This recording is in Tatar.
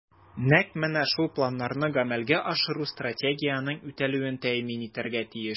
Нәкъ менә шул планнарны гамәлгә ашыру Стратегиянең үтәлүен тәэмин итәргә тиеш.